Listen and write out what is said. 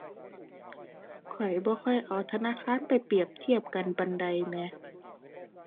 ข้อยบ่ค่อยเอาธนาคารไปเปรียบเทียบกันปานใดแหม